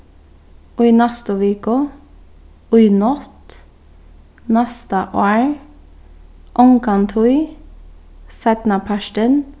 í næstu viku í nátt næsta ár ongantíð seinnapartin